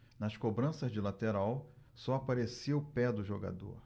nas cobranças de lateral só aparecia o pé do jogador